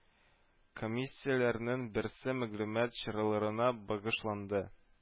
Комиссияләрнең берсе мәгълүмат чараларына багышланды